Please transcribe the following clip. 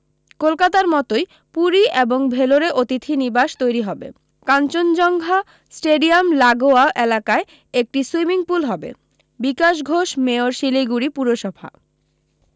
কলকাতার মতোই পুরী এবং ভেলোরে অতিথি নিবাস তৈরী হবে কাঞ্চনজঙ্ঘা স্টেডিয়াম লাগোয়া এলাকায় একটি সুইমিং পুল হবে বিকাশ ঘোষ মেয়র শিলিগুড়ি পুরসভা